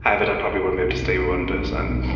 Hefyd, I probably wouldn't be able to stay with one person.